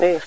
i